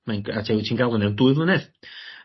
Mae'n g- a ti'n ga'l wnna dwy flynedd.